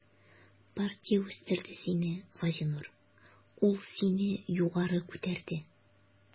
Партия үстерде сине, Газинур, ул сине югары күтәрде.